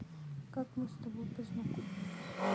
как мы с тобой познакомились